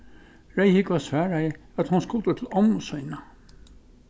reyðhúgva svaraði at hon skuldi til ommu sína